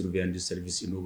Tɛ se sin